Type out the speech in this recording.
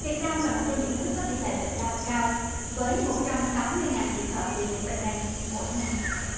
việt nam là một trong những nước có tỷ lệ bệnh lao cao với một trăm tám mươi ngàn trường hợp bị nhiễm bệnh này mỗi năm